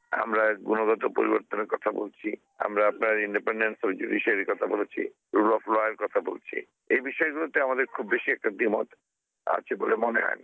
আমরা গুণগত পরিবর্তনের কথা বলছি আমরা আমরার ইন্ডিপেন্ডেন্স ও জুডিশিয়ারির কথা বলছি রুল অফ ল এর কথা বলছি এই বিষয়গুলোতে আমাদের খুব বেশি একটা দ্বিমত আছে বলে মনে হয় না